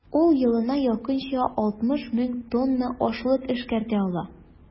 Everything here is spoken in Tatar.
Ул елына якынча 60 мең тонна ашлык эшкәртә ала.